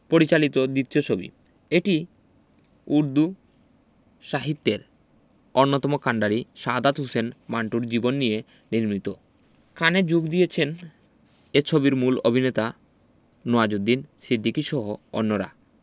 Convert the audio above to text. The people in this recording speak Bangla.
পরিচালিত দ্বিতীয় ছবি এটি উর্দু সাহিত্যের অন্যতম কান্ডারি সাদাত হাসান মান্টোর জীবন নিয়ে নির্মিত কানে যোগ দিয়েছেন এ ছবির মূল অভিনেতা নওয়াজুদ্দিন সিদ্দিকীসহ অন্যরা